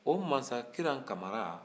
o mansakira kamarra